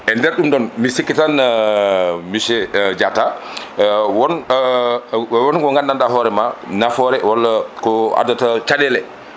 e nder ɗum ɗon mi sikki tan monsieur Diatta wo wonko gandanɗa hoorema nafoore walla ko addata caɗele